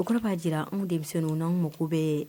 O kɔrɔ b'a jira anw de ninnuw nanw mako bɛɛ ye